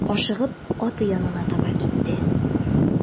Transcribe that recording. Ашыгып аты янына таба китте.